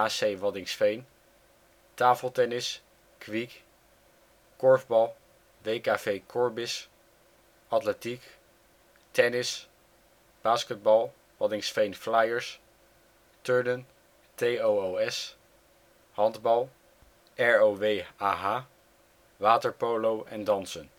HC Waddinxveen), tafeltennis (Kwiek), korfbal (W.K.V. Korbis), atletiek, tennis, basketbal (Waddinxveen Flyers), turnen (TOOS), handbal (ROWAH), waterpolo en dansen